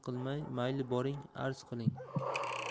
qilmay mayli boring arz qiling